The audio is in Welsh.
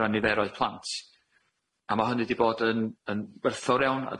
ran niferoedd plant a ma' hynny 'di bod yn yn werthfawr iawn a